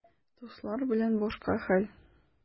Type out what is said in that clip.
Дуслар белән башка хәл.